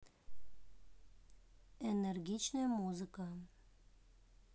энергичная музыка